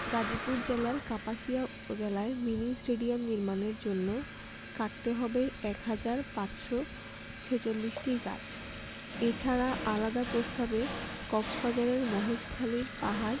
গাজীপুর জেলার কাপাসিয়া উপজেলায় mini stadium নির্মাণের জন্য কাটতে হবে এক হাজার ৫৪৬টি গাছ এছাড়া আলাদা প্রস্তাবে কক্সবাজারের মহেশখালীর পাহাড়